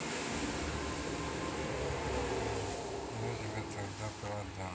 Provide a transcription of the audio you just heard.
я тебя тогда продам